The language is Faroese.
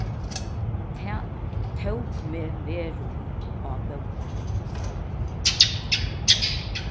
tað tók meg veruliga á bóli